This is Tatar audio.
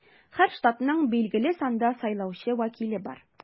Һәр штатның билгеле санда сайлаучы вәкиле бар.